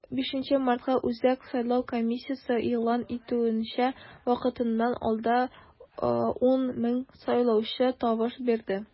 5 мартка, үзәк сайлау комиссиясе игълан итүенчә, вакытыннан алда 10 мең сайлаучы тавыш бирде.